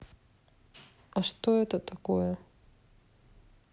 а что это такое